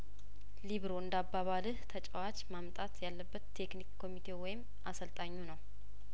ሊብሮ እንዳ ባባ ልህ ተጨዋች ማምጣት ያለበት ቴክኒክ ኮሚቴው ወይም አሰልጣኙ ነው